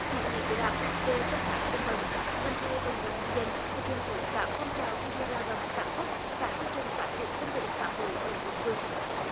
chỉ thị của đảng về công tác dân vận đồng thời vận động nhân dân thực hiện tốt các phong trào thi đua lao động sản xuất các chương trình phát triển kinh tế xã hội ở địa phương